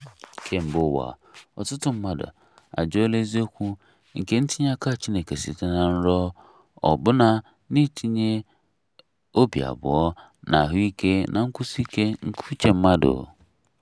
Kemgbe ụwa, ọtụtụ mmadụ ajụọla eziokwu nke ntinye aka Chineke site na nrọ, ọbụna na-etinye obi abụọ n'ahụike na nkwụsi ike nke uche mmadụ.